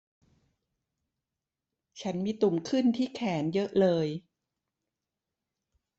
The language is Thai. ฉันมีตุ่มขึ้นที่แขนเยอะเลย